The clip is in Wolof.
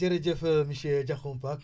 jërëjëf monsieur Diakhoumpa